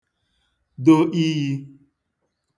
do iyi